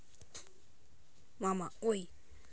мама ой